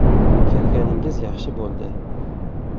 kelganingiz yaxshi bo'ldi